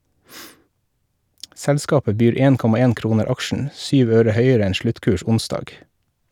Selskapet byr 1,1 kroner aksjen, syv øre høyere enn sluttkurs onsdag.